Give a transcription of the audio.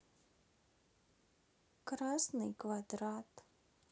красный квадрат